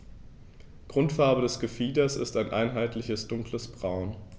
Grundfarbe des Gefieders ist ein einheitliches dunkles Braun.